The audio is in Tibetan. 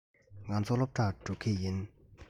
ང ཚོ སློབ གྲྭར འགྲོ གི ཡིན